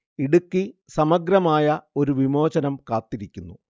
ഇടുക്കി സമഗ്രമായ ഒരു വിമോചനം കാത്തിരിക്കുന്നു